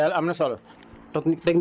kon technique bi daal am na solo